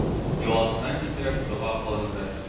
Йоласына китереп, дога кылынды.